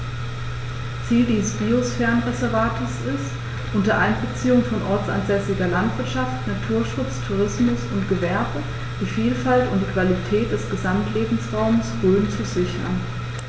Ziel dieses Biosphärenreservates ist, unter Einbeziehung von ortsansässiger Landwirtschaft, Naturschutz, Tourismus und Gewerbe die Vielfalt und die Qualität des Gesamtlebensraumes Rhön zu sichern.